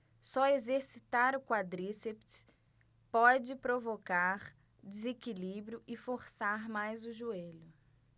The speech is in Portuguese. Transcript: só exercitar o quadríceps pode provocar desequilíbrio e forçar mais o joelho